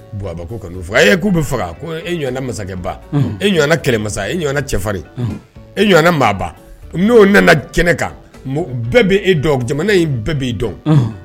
Baba kanu fɔ a k'u bɛ faga eɛ masakɛ e kɛlɛmasa e cɛfarinri eɛ maaba n'o nana kɛnɛ kan bɛɛ' e dɔn jamana in bɛɛ b' dɔn